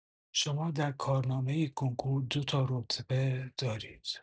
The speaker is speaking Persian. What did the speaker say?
شما در کارنامه کنکور دو تا رتبه دارید